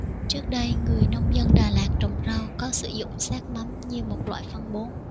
trước đây người nông dân đà lạt trồng rau có sử dụng xác mắm như một loại phân bón